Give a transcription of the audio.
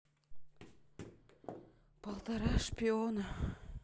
полтора шпиона